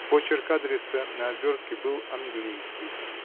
Почерк адреса на обертке был английский.